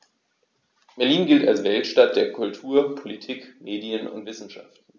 Berlin gilt als Weltstadt der Kultur, Politik, Medien und Wissenschaften.